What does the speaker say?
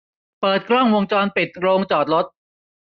เปิดกล้องวงจรปิดโรงจอดรถ